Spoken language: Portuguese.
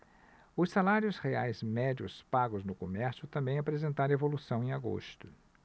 os salários reais médios pagos no comércio também apresentaram evolução em agosto